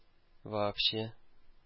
Вообще